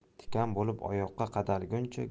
tikan bo'lib oyoqqa qadalguncha